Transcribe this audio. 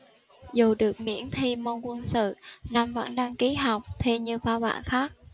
dù được miễn thi môn quân sự nam vẫn đăng ký học thi như bao bạn khác